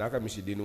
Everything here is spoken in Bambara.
A'a ka misiden don